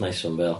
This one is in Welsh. Nice one Behl.